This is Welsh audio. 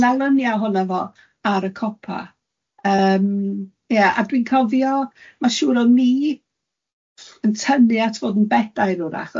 ond mi o'dd 'na lunia ohonno fo ar y copa yym ia a dwi'n cofio, ma' siŵr o'n i yn tynnu at fod yn bedair, 'w'rach,